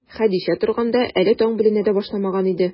Хәдичә торганда, әле таң беленә дә башламаган иде.